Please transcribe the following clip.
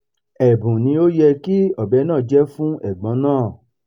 Ẹ̀bùn ni ó yẹ kí ọbẹ̀ náà jẹ́ fún ẹ̀gbọ́n náà.